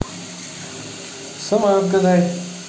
сама отгадай